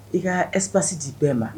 I ka espsi di bɛɛ ma